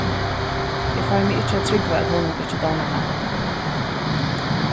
eg fái meg ikki at trúgva at honum ikki dámar hana